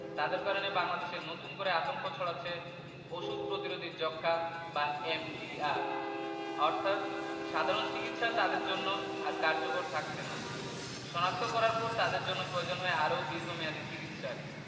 তাদের কারণে বাংলাদেশে নতুন করে আতঙ্ক ছড়াচ্ছে ওষুধ প্রতিরোধী যক্ষ্মা বা এমডিআর অর্থাৎ সাধারণ চিকিৎসা তাদের জন্য আর কার্যকর থাকছেনা শনাক্ত করার পর তাদের জন্য প্রয়োজন হয় আরও দীর্ঘমেয়াদি চিকিৎসার